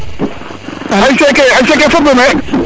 ASC ke fop o mbey men